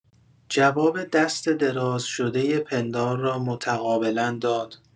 جواب دست دراز شدۀ پندار را متقابلا داد.